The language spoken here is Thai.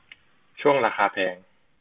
ช่วงราคาแพง